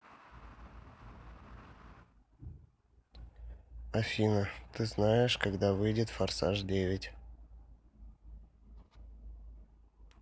афина ты знаешь когда выйдет форсаж девять